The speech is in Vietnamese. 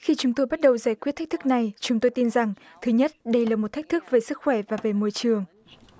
khi chúng tôi bắt đầu giải quyết thách thức này chúng tôi tin rằng thứ nhất đây là một thách thức về sức khỏe và về môi trường